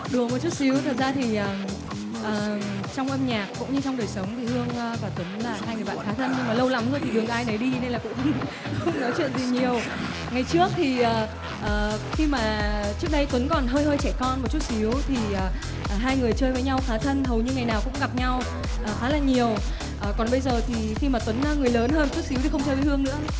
đùa một chút xíu thật ra thì ờ trong âm nhạc cũng như trong đời sống thì hương và tuấn là hai người bạn khá thân nhưng mà lâu lắm rồi thì đường ai nấy đi nên là cũng không không nói chuyện gì nhiều ngày trước thì ờ khi mà trước đây tuấn còn hơi hơi trẻ con một chút xíu thì hai người chơi với nhau khá thân hầu như ngày nào cũng gặp nhau khá là nhiều còn bây giờ thì khi mà tuấn người lớn hơn chút xíu nữa thì không chơi với hương nữa